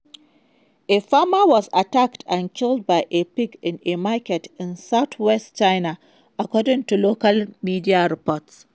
A farmer was attacked and killed by a pig in a market in southwest China, according to local media reports.